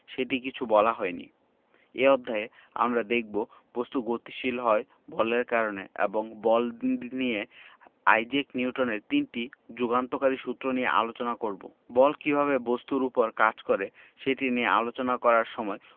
সেটি কিছু বলা হয়নি এই অধ্যায়ে আমরা দেখব বস্তু গতিশীল হয় বলের কারণে এবং বল নিয়ে আইজাক নিউটনের তিনটি যুগান্তকারী সূত্র নিয়ে আলোচনা করব বল কীভাবে বস্তুর উপর কাজ করে সেটি নিয়ে আলোচনা করার সময়